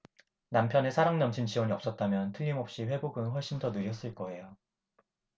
남편의 사랑 넘친 지원이 없었다면 틀림없이 회복은 훨씬 더 느렸을 거예요